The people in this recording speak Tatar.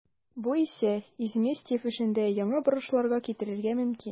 Бу исә Изместьев эшендә яңа борылышларга китерергә мөмкин.